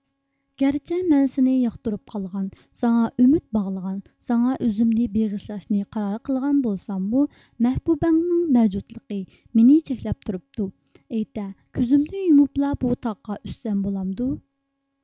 گەرچە مەن سېنى ياقتۇرۇپ قالغان ساڭا ئۈمۈد باغلىغان ساڭا ئۆزۈمنى بېغىشلاشنى قارار قىلغان بولساممۇ مەھبۇبەڭنىڭ مەۋجۇتلۇقى مېنى چەكلەپ تۇرۇپتۇ ئېيتە كۆزۈمنى يۇمۇپلا بۇ تاغقا ئۈسسەم بولامدۇ